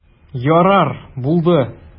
Ярар, булды.